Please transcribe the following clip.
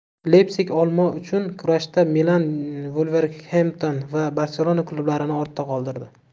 leypsig olmo uchun kurashda milan vulverhempton va barselona klublarini ortda qoldirdi